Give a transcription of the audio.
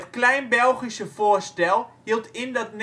Klein-Belgische voorstel hield in dat